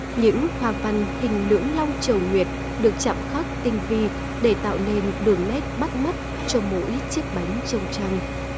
những hoa văn hình lưỡng long chầu nguyệt được chạm khắc tinh vi để tạo nên đường nét bắt mắt cho mỗi chiếc bánh trông trăng